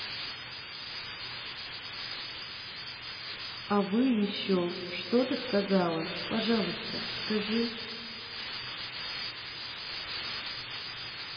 а вы еще что ты сказала пожалуйста скажи